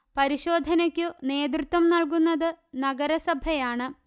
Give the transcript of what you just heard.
പരിശോധനയ്ക്കു നേതൃത്വം നല്കുന്നത് നഗരസഭയാണ്